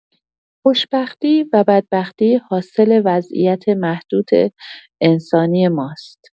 خوشبختی و بدبختی حاصل وضعیت محدود انسانی ماست.